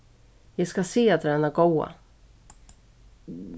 eg skal siga tær eina góða